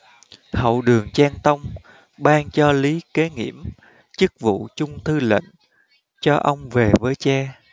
hậu đường trang tông ban cho lý kế nghiễm chức vụ trung thư lệnh cho ông về với cha